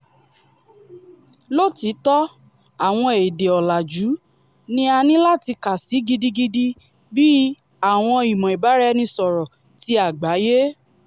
Lóòtítọ́, àwọn èdè ọ̀làjú ni a nílatí kàsí gidigidi bíi ''àwọn ìmọ̀ ìbáraẹnisọ̀rọ̀ ti àgbáyé''.